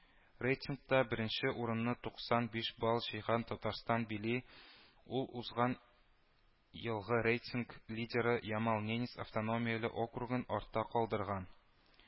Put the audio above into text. Рейтингта беренче урынны туксан биш балл җыйган Татарстан били, ул узган елгы рейтинг лидеры Ямал-Ненец автономияле округын артта калдырган